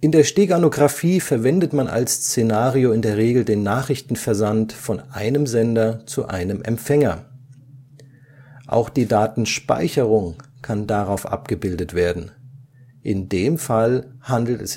der Steganographie verwendet man als Szenario in der Regel den Nachrichtenversand von einem Sender zu einem Empfänger. Auch die Datenspeicherung kann darauf abgebildet werden; in dem Fall handelt